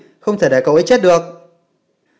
không thể để cậu ấy chết được